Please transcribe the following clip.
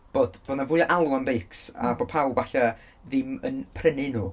bod, bo' 'na fwy o alw am beics a bod pawb falle ddim yn prynu nhw.